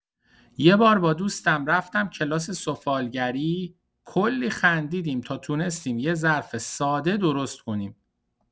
یه بار با دوستم رفتم کلاس سفالگری، کلی خندیدیم تا تونستیم یه ظرف ساده درست کنیم!